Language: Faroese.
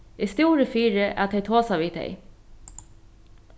eg stúri fyri at tey tosa við tey